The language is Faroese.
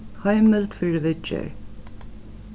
heimild fyri viðgerð